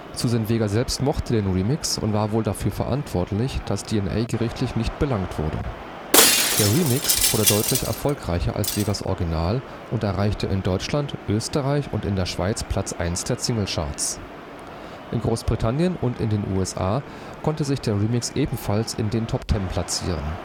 Suzanne Vega selbst mochte den Remix und war wohl dafür verantwortlich, dass DNA gerichtlich nicht belangt wurden. Der Remix wurde deutlich erfolgreicher als Vegas Original und erreichte in Deutschland, Österreich und in der Schweiz Platz 1 der Singlecharts. In Großbritannien und in den USA konnte sich der Remix ebenfalls in den Top Ten platzieren